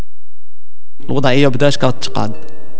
وضعيه بتسقط